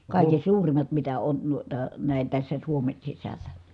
kaiken suurimmat mitä on noita näin tässä Suomen sisällä